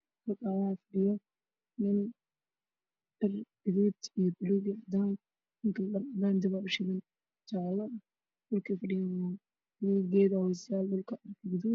Hal kaan waxaa fadhiya nin